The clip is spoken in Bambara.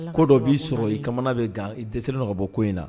Ko dɔ b'i sɔrɔ i kamana bɛ gan i dɛsɛ ka bɔ ko in na